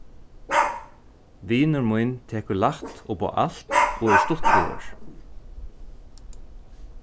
vinur mín tekur lætt upp á alt og er stuttligur